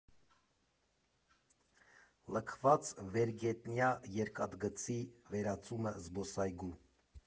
Լքված վերգետնյա երկաթգծի վերածումը զբոսայգու։